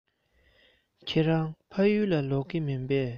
ཁྱེད རང ཕ ཡུལ ལ ལོག གི མིན པས